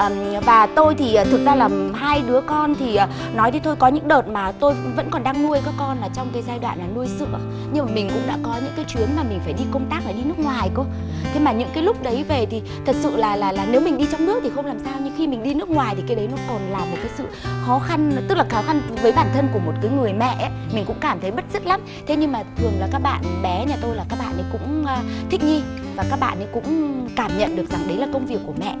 và tôi thì thực ra là hai đứa con thì nói thế thôi có những đợt mà tôi cũng vẫn còn nuôi các con ở trong cái giai đoạn nuôi sữa nhưng mà mình cũng đã có những cái chuyến mà mình phải đi công tác phải đi nước ngoài cơ thế mà những cái lúc đấy về thì thật sự là là là nếu mình đi trong nước thì không làm sao nhưng khi mình đi nước ngoài thì cái đấy nó còn là một sự khó khăn tức là khó khăn với bản thân của một cái người mẹ mình cũng cảm thấy bứt rứt lắm thế nhưng mà thường là các bạn bé nhà tôi là các bạn ấy cũng thích nghi và các bạn ấy cũng cảm nhận được rằng đấy là công việc của mẹ